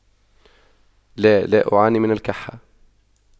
لا لا أعاني من الكحة